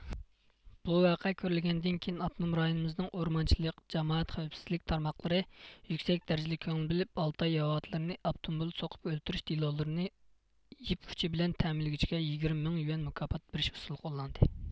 بۇ ۋەقە كۆرۈلگەندىن كېيىن ئاپتونوم رايونىمىزنىڭ ئورمانچىلىق جامائەت خەۋپسىزلىك تارماقلىرى يۈكسەك دەرىجىدە كۆڭۈل بۆلۈپ ئالتاي ياۋا ئاتلىرىنى ئاپتوموبىل سوقۇپ ئۆلتۈرۈش دېلولىرىنى يىپ ئۇچى بىلەن تەمىنلىگۈچىگە يىگىرمە مىڭ يۈەن مۇكاپات بېرىش ئۇسولى قوللاندى